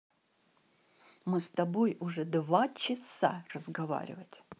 мы с тобой уже два часа разговаривать